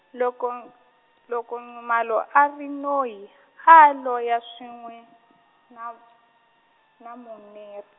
loko n- loko Nxumalo a ri noyi, a loya swin'we na, na Muner-.